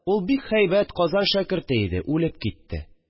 Ул бик һәйбәт Казан шәкерте иде, үлеп китте